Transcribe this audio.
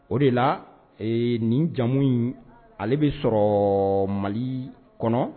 O de la, nin jamu in ale bɛ sɔrɔ Mali kɔnɔ